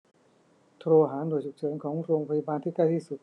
โทรหาหน่วยฉุกเฉินของโรงพยาบาลที่ใกล้ที่สุด